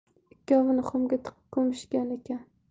ikkovini xumga tiqib ko'mishgan ekan